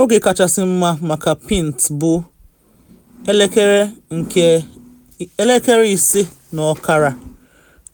Oge kachasị mma maka pint bụ 5:30